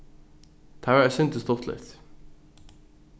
tað var eitt sindur stuttligt